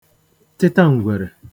tịtaǹgwèrè